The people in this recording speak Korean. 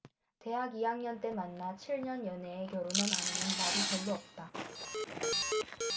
대학 이 학년 때 만나 칠 년 연애해 결혼한 아내는 말이 별로 없다